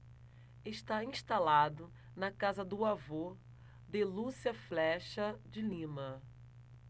está instalado na casa do avô de lúcia flexa de lima